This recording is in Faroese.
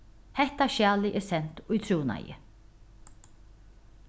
hetta skjalið er sent í trúnaði